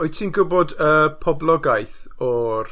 Wyt ti'n gwybod y poblogaeth o'r